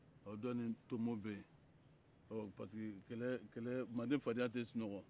ɔ dɔn in tonbo bɛ yen ɔɔ parce que mande fadenya tɛ sunɔgɔ